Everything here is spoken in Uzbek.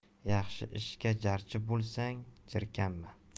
yaxshi ishga jarchi bo'lsang jirkanma